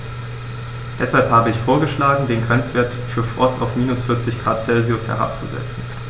Deshalb habe ich vorgeschlagen, den Grenzwert für Frost auf -40 ºC herabzusetzen.